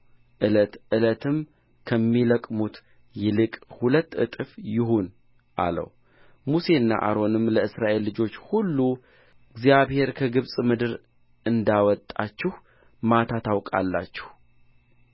ዕለት ዕለትም ከሚለቅሙት ይልቅ ሁለት እጥፍ ይሁን አለው ሙሴና አሮንም ለእስራኤል ልጆች ሁሉ እግዚአብሔር ከግብፅ ምድር እንዳወጣችሁ ማታ ታውቃላችሁ